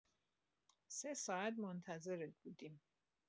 سه ساعت منتظرت بودیم.